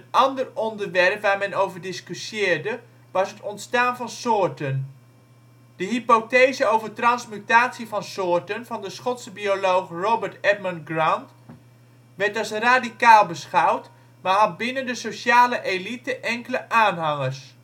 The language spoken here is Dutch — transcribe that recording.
ander onderwerp waar men over discussieerde was het ontstaan van soorten. De hypothese over transmutatie van soorten van de Schotse bioloog Robert Edmond Grant (1793-1874) werd als radicaal beschouwd maar had binnen de sociale elite enkele aanhangers